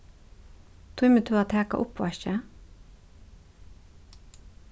tímir tú at taka uppvaskið